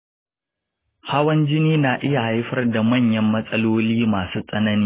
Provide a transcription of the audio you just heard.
hawan jini na iya haifar da manyan matsaloli masu tsanani.